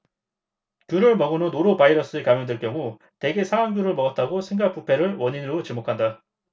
굴을 먹은 후 노로바이러스에 감염될 경우 대개 상한 굴을 먹었다고 생각 부패를 원인으로 지목한다